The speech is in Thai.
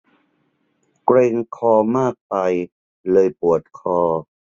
เกร็งคอมากไปเลยปวดคอ